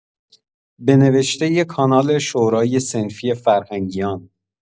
به نوشته کانال شورای صنفی فرهنگیان